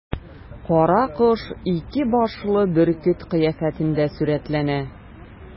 Каракош ике башлы бөркет кыяфәтендә сурәтләнә.